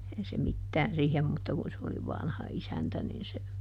eihän se mitään siihen mutta kun se oli vanha isäntä niin se